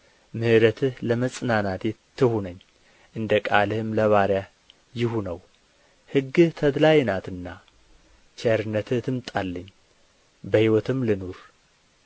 ምሕረትህ ለመጽናናቴ ትሁነኝ እንደ ቃልህም ለባሪያህ ይሁነው ሕግህ ተድላዬ ናትና ቸርነትህ ትምጣልኝ በሕይወትም ልኑር